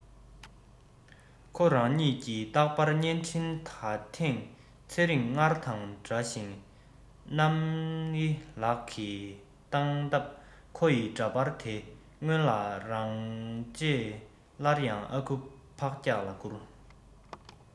ཁོ རང ཉིད ཀྱི རྟག པར བརྙན འཕྲིན ད ཐེངས ཚེ རིང སྔར དང འདྲ ཞིང གནམ འི ལག གི སྟངས སྟབས ཁོ ཡི འདྲ པར དེ སྔོན ལ རང རྗེས སླར ཡང ཨ ཁུ ཕག སྐྱག ལ བསྐུར